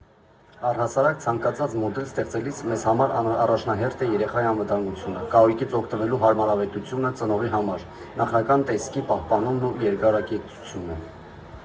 Առհասարակ, ցանկացած մոդել ստեղծելիս մեզ համար առաջնահերթ է երեխայի անվտանգությունը, կահույքից օգտվելու հարմարավետությունը ծնողի համար, նախնական տեսքի պահպանումն ու երկարակեցությունը։